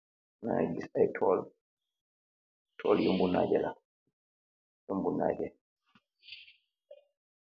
Magi giss ay toll tolli monageh pul monageh.